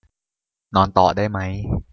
นอนต่อได้มั้ย